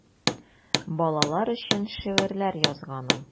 Балалар өчен шигырьләр язган ул.